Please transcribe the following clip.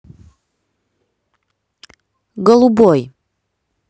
голубой